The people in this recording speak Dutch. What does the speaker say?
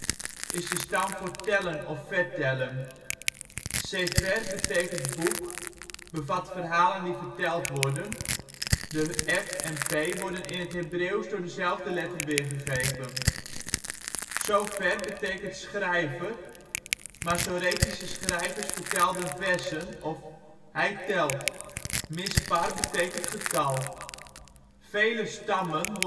stam voor " tellen " of " vertellen " sefer betekent " boek " (bevat verhalen die verteld worden) (' f ' en ' p ' worden in het Hebreeuws door dezelfde letter weergegeven) sofer betekent " schrijver " (Masoretische schrijvers vertelden verzen) of " hij telt " mispar betekent " getal ". Vele stammen